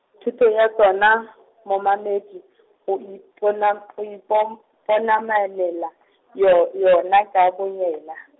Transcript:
thuto ya tsona momamedi, o ipona-, o ipom-, -ponamolela , yo, yona ka boyena.